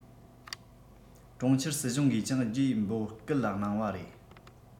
གྲོང ཁྱེར སྲིད གཞུང གིས ཀྱང རྒྱུའི འབོད སྐུལ གནང བ རེད